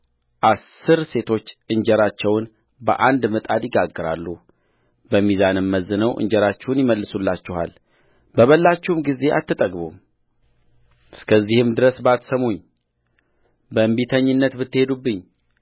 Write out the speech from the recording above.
አሥር ሴቶች እንጀራቸውን በአንድ ምጣድ ይጋግራሉ በሚዛንም መዝነው እንጀራችሁን ይመልሱላችኋል በበላችሁም ጊዜ አትጠግቡምእስከዚህም ድረስ ባትሰሙኝ በእንቢተኝነትም ብትሄዱብኝ